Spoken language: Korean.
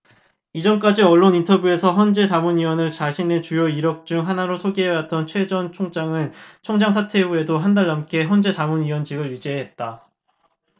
이전까지 언론 인터뷰에서 헌재 자문위원을 자신의 주요 이력 중 하나로 소개해왔던 최 전 총장은 총장 사퇴 후에도 한달 넘게 헌재 자문위원직을 유지해왔다